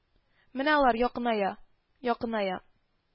Менә алар якыная, якыная